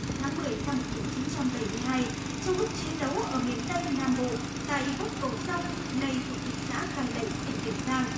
tháng mười năm một nghìn chín trăm bảy mươi hai trong lúc chiến đấu ở miền tây nam bộ tại bốt cầu sông nay thuộc thị xã cai lậy tỉnh tiền giang